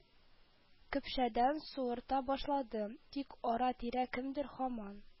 Көпшәдән суырта башлады, тик ара-тирә кемдер һаман